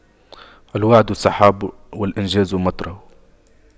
الوعد سحاب والإنجاز مطره